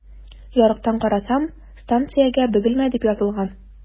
Ярыктан карасам, станциягә “Бөгелмә” дип язылган.